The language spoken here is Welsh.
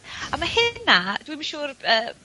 A ma' hynna, dwi'm yn siŵr yy...